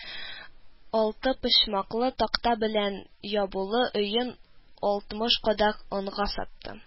Алты почмаклы, такта белән ябулы өен алтмыш кадак онга сатты